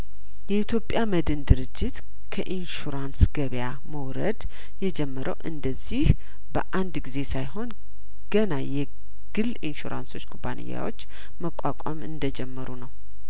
የኢትዮጵያ መድን ድርጅት ከኢንሹራንስ ገበያመውረድ የጀመረው እንደዚህ በአንድ ጊዜ ሳይሆን ገና የግል ኢንሹራንሶች ኩባንያዎች መቋቋም እንደጀመሩ ነው